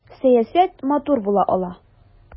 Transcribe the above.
Сәясәт матур була ала!